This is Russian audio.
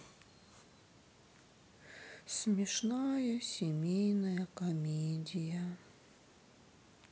смешная семейная комедия